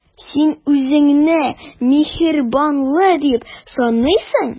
Син үзеңне миһербанлы дип саныйсың.